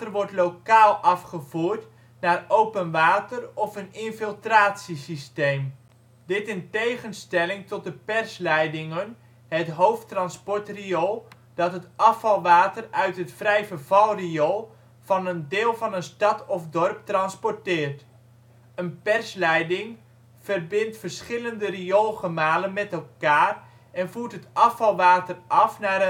wordt lokaal afgevoerd naar open water of een infiltratiesysteem. Dit in tegenstelling tot de persleidingen, het hoofdtransportriool dat het afvalwater uit het vrijvervalriool van een (deel van een) stad of dorp transporteert. Een persleiding verbindt verschillende rioolgemalen met elkaar en voert het afvalwater af naar